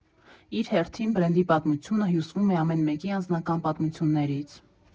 Իր հերթին, բրենդի պատմությունը հյուսվում է ամեն մեկի անձնական պատմություններից։